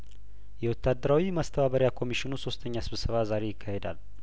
የወታደራዊ ማስተባበሪያ ኮሚሽኑ ሶስተኛ ስብሰባ ዛሬ ይካሄዳል